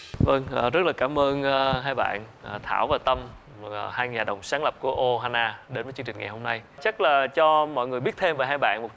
vâng rất là cám ơn hai bạn thảo và tâm hai nhà đồng sáng lập của ô ha na đến với chương trình ngày hôm nay chắc là cho mọi người biết thêm về hai bạn một